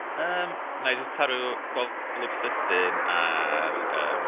Ymm wna i jyst taro golwg sydyn ar ymm...